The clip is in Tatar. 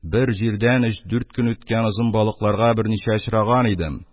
Бер җирдән өч-дүрт көн үткән озын балыкларга берничә очраган идем